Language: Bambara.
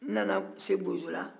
n'nana se bozola